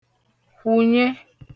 kwụ̀nye